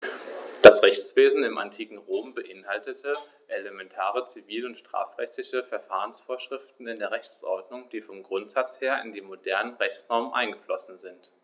Das Rechtswesen im antiken Rom beinhaltete elementare zivil- und strafrechtliche Verfahrensvorschriften in der Rechtsordnung, die vom Grundsatz her in die modernen Rechtsnormen eingeflossen sind.